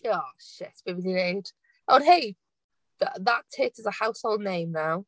O shit be fi 'di wneud. Ond hei, that tit is a household name now.